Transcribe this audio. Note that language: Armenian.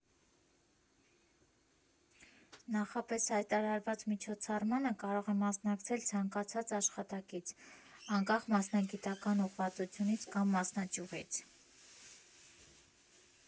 Նախապես հայտարարված միջոցառմանը կարող է մասնակցել ցանկացած աշխատակից՝ անկախ մասնագիտական ուղղվածությունից կամ մասնաճյուղից։